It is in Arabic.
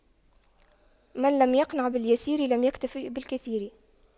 من لم يقنع باليسير لم يكتف بالكثير